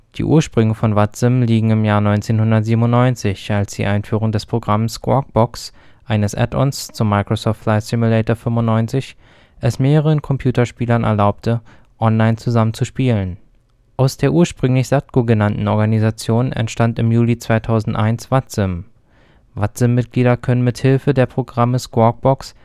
Ursprünge von VATSIM liegen im Jahr 1997, als die Einführung des Programms SquawkBox, eines Add-Ons zum Flight Simulator 95 es mehren Computerspielern erlaubte, online zusammen zu spielen. Aus der ursprünglich SATCO genannten Organisation entstand im Juli 2001 VATSIM. VATSIM-Mitglieder können mit Hilfe der Programme SquawkBox